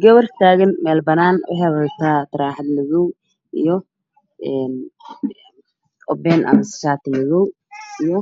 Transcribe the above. Waa gabar taagan waxay wadataa cabaayad madow taroxad cadaan waxaa ka dambeeyay geed